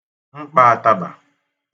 mkpọ̄ atabà